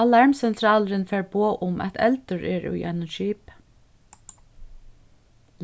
alarmsentralurin fær boð um at eldur er í einum skipi